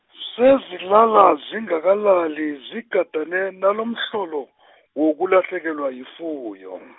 sezilala, zingakalali zigadane nalomhlolo , wokulahlekelwa yifuyo .